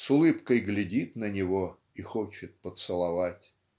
с улыбкой глядит на него и хочет поцеловать.